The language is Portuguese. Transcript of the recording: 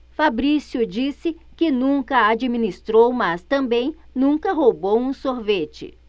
fabrício disse que nunca administrou mas também nunca roubou um sorvete